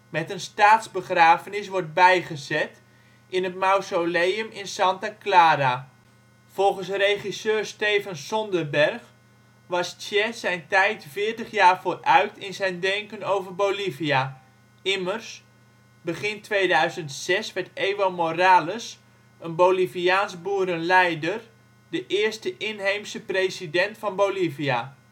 met een staatsbegrafenis wordt bijgezet in het mausoleum in Santa Clara. Volgens regisseur Steven Soderbergh was Che zijn tijd 40 jaar vooruit in zijn denken over Bolivia. Immers, begin 2006 werd Evo Morales, een Boliviaans boerenleider, de eerste inheemse president van Bolivia